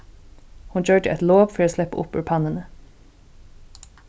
hon gjørdi eitt lop fyri at sleppa upp úr pannuni